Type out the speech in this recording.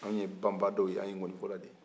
anw ye banbaadɔw ye an ye nkɔnifɔlaw ye